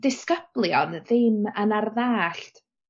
disgyblion ddim yn ar dd'allt